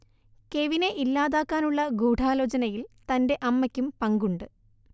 കെവിനെ ഇല്ലാതാക്കാനുള്ള ഗൂഢാലോചനയിൽ തന്റെ അമ്മയ്ക്കും പങ്കുണ്ട്